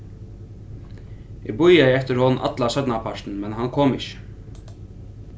eg bíðaði eftir honum allan seinnapartin men hann kom ikki